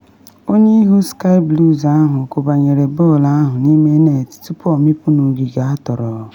Onye ihu Sky Blues ahụ kụbanyere bọọlụ ahụ n’ime net tupu ọ mịpụ n’ogige atọrọ.